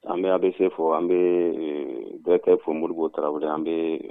An bɛ an bɛ se fɔ an bɛ date fɔ moribo taraweleri an bɛ